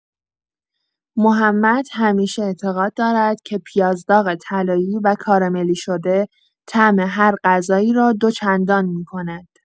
محمد همیشه اعتقاد دارد که پیاز داغ طلایی و کاراملی‌شده، طعم هر غذایی را دوچندان می‌کند.